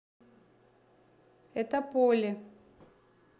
это полли